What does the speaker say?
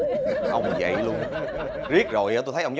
ông vậy luôn riết rồi tôi thấy ông